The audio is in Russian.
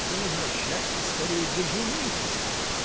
да возвращайтесь скорее; да женитесь-ка!